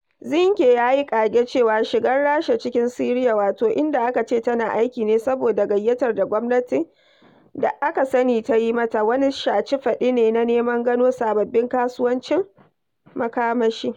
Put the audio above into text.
Zinke ya yi ƙage cewa shigar Rasha cikin Siriya - wato, inda aka ce tana aiki ne saboda gayyatar da gwamnatin da aka sani ta yi mata - wani shaci-faɗi ne na neman gano sababbin kasuwannin makamashi.